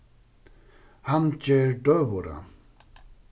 hann ger døgurða